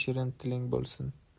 shirin tiling bo'lsin